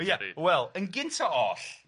Ia, wel, yn gynta oll